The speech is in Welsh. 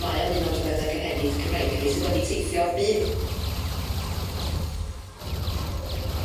Mae o'n un o'n traddodie cynhennid Cymreig neu sydd wedi teithio'r byd.